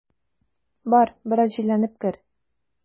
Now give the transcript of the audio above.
Бар, бераз җилләнеп кер.